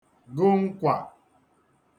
gụ nkwà